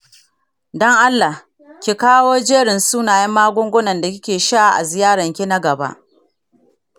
don allah ki kawo jerin sunayen magungunan da kike sha a ziyaran ki na gaba.